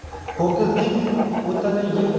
ho'kizning o'tini yeb